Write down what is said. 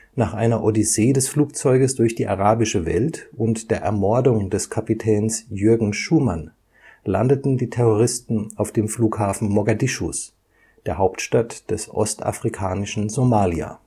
Nach einer Odyssee des Flugzeuges durch die arabische Welt und der Ermordung des Kapitäns Jürgen Schumann landeten die Terroristen auf dem Flughafen Mogadischus, der Hauptstadt des ostafrikanischen Somalia